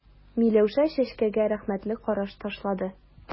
Миләүшә Чәчкәгә рәхмәтле караш ташлады.